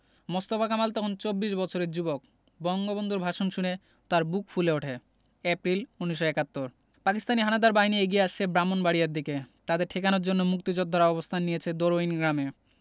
মোস্তফা কামাল তখন চব্বিশ বছরের যুবক বঙ্গবন্ধুর ভাষণ শুনে তাঁর বুক ফুলে ওঠে এপ্রিল ১৯৭১ পাকিস্তানি হানাদার বাহিনী এগিয়ে আসছে ব্রাহ্মনবাড়িয়ার দিকে তাদের ঠেকানোর জন্য মুক্তিযোদ্ধারা অবস্থান নিয়েছে দরুইন গ্রামে